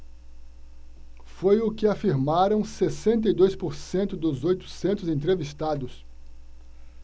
foi o que afirmaram sessenta e dois por cento dos oitocentos entrevistados